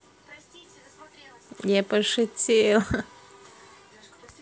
я пошутил ха ха ха